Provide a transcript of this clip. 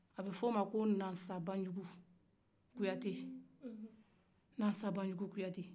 a bɛ fɔ olu ma ko nasabanjuku kuyate